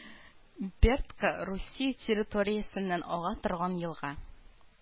Бертка Русия территориясеннән ага торган елга